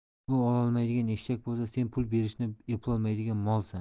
u olmaydigan eshshak bo'lsa sen pul berishni eplolmaydigan molsan